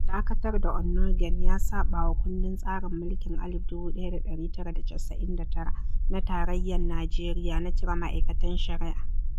Dakatar da Onnoghen ya saɓa wa kundin tsarin mulkin 1999 na Tarayyar Najeriya na cire ma'aikatan shari'a.